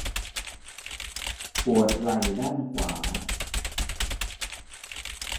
ปวดไหล่ด้านขวา